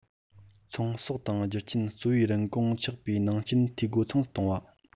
ཚོང ཟོག དང རྒྱུ རྐྱེན གཙོ བོའི རིན གོང ཆགས པའི ནང རྐྱེན འཐུས སྒོ ཚང དུ གཏོང བ